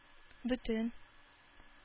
Бөтен